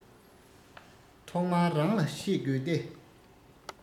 ཐོག མར རང ལ བཤད དགོས ཏེ